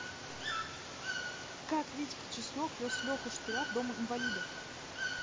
как витька чеснок вез леху штыря в дом инвалидов